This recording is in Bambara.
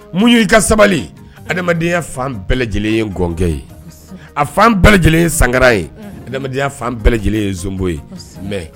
Mu y ii ka sabali adamadenya fan bɛɛ lajɛlen yekɛ ye a fan bɛɛ lajɛlen ye sangara ye adamadenyaya fan bɛɛ lajɛlen ye zbbo ye mɛ